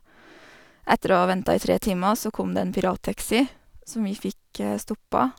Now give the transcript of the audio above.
Etter å ha venta i tre timer så kom det en pirattaxi som vi fikk stoppa.